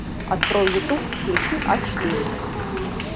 открой ютуб включи а четыре